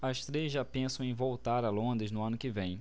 as três já pensam em voltar a londres no ano que vem